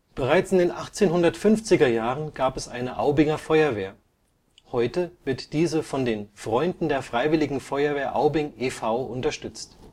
Bereits in den 1850er-Jahren gab es eine Aubinger Feuerwehr. Heute wird diese von den Freunden der Freiwilligen Feuerwehr Aubing e. V. unterstützt